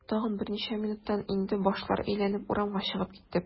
Тагын берничә минуттан инде башлар әйләнеп, урамга чыгып киттек.